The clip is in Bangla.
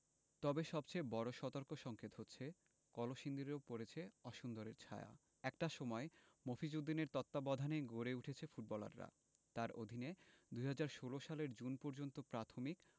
তবে সবচেয়ে বড় সতর্কসংকেত হচ্ছে কলসিন্দুরেও পড়েছে অসুন্দরের ছায়া একটা সময় মফিজ উদ্দিনের তত্ত্বাবধানেই গড়ে উঠেছে ফুটবলাররা তাঁর অধীনে ২০১৬ সালের জুন পর্যন্ত প্রাথমিক